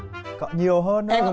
nhiều hơn đó